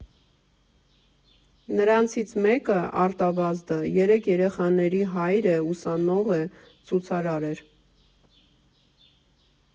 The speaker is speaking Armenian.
Նրանցից մեկը՝ Արտավազդը, երեք երեխաների հայր է, ուսանող է, ցուցարար էր։